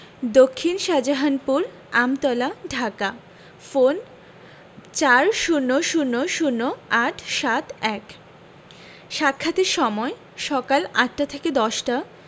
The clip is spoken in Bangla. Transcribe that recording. দক্ষিন শাহজাহানপুর আমতলা ঢাকা ফোনঃ ৪০০০৮৭১ সাক্ষাতের সময়ঃসকাল ৮টা থেকে ১০টা